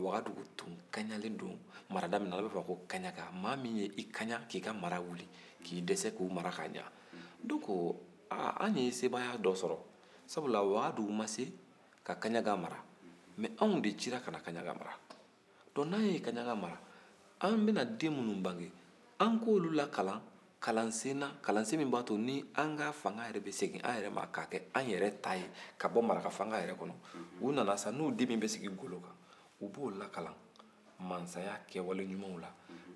wagadu tun kaɲalen don marada min na a bɛ fɔ o de ma ko kaɲaga maa min ye i kaɲa k'i ka mara wuli k'i dɛsɛ k'u mara ka ɲa ola anw ye sebagaya dɔ sɔrɔ sabula wagadu ma se ka kaɲaga mara nka anw de cira ka na kaɲaga mara o la n'an ye kaɲaga mara an bɛna den minnu bange an k'olu lakalan kalansen na kalansen min b'a to nin an ka fanga bɛ segin an yɛrɛ ma k'a k'an yɛrɛ ta ye ka bɔ maraka fanga yɛrɛ kɔnɔ u nana sa n'u den min bɛ sigi golo kunna u b'o lakalan masaya kɛwale ɲumanw na